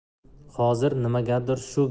xozir nimagadir shu